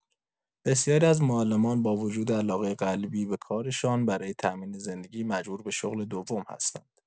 بسیاری از معلمان با وجود علاقه قلبی به کارشان، برای تأمین زندگی مجبور به شغل دوم هستند.